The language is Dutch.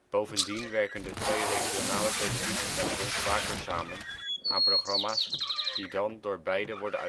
Bovendien werken de twee regionale televisiestations vaker samen aan programma 's die dan door beiden worden